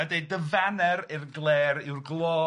a deud dy faner i'r glêr yw'r glôd.